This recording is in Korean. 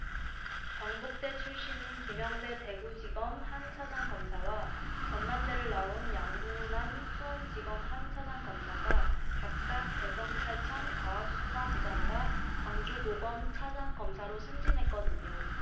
경북대 출신인 김영대 대구지검 한 차장검사와 전남대를 나온 양부남 수원지검 한 차장검사가 각각 대검찰청 과학수사부장과 광주고검 차장검사로 승진했거든요